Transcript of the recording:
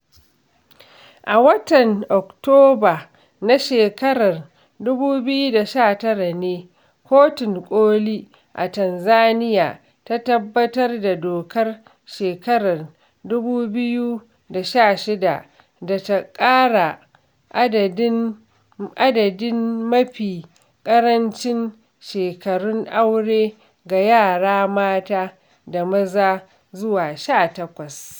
A watan Oktoba na shekarar 2019 ne, kotun ƙoli a Tanzaniya ta tabbatar da dokar shekarar 2016 da ta ƙara adadin mafi ƙarancin shekarun aure ga yara mata da maza zuwa 18.